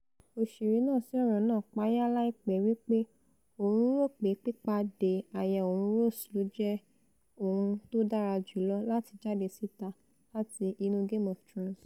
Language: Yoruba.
Òṣèré náà sí ọ̀rọ̀ náà payá láìpẹ́ wí pé òun ńròpé pípàdé aya òun Rose lójẹ́ ohun tòdára jùlọ láti jáde síta láti inú Game of Thrones.